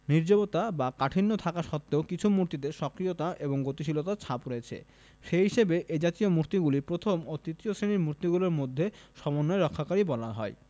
নির্জীবতা বা কাঠিণ্য থাকা সত্ত্বেও কিছু মূর্তিতে সক্রিয়তা এবং গতিশীলতার ছাপ রয়েছে সে হিসেবে এ জাতীয় মূর্তিগুলি প্রথম ও তৃতীয় শ্রেণির মূর্তিগুলির মধ্যে সমন্বয় রক্ষাকারী বলা হয়